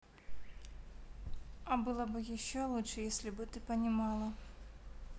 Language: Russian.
а было бы еще лучше если бы ты понимала